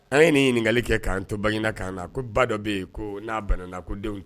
An ye nin ɲininkakali kɛ k'an to bangina kan na ko ba dɔ bɛ yen ko n'a bana kodenw cɛ